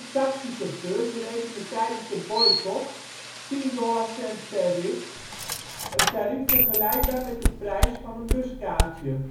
taxichauffeurs rekenden tijdens de boycot tien dollarcent per rit, een tarief vergelijkbaar met de prijs van een buskaartje